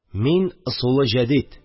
Мин – ысулы җәдид